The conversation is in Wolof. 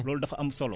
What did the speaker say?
loolu dafa am solo